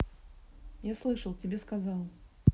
я слышал тебе сказал